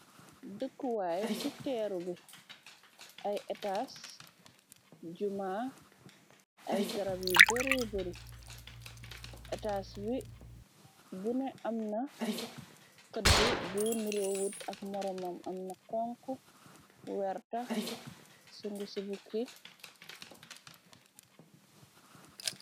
Dëkkuwaay ci teeru bi, ay etaas, jumaa, ay garab yu bare bari, etaas bi bune am na xëdd bu nurewud ak moromom, am na xonxu, werta, ak sungu ci bukki.